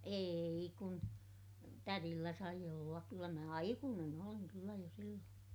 ei kun tädillä sai olla kyllä minä aikuinen olin kyllä jo silloin